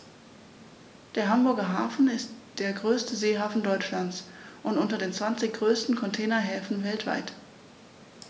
Der Hamburger Hafen ist der größte Seehafen Deutschlands und unter den zwanzig größten Containerhäfen weltweit.